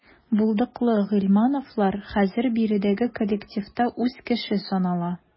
Булдыклы гыйльмановлар хәзер биредәге коллективта үз кеше санала.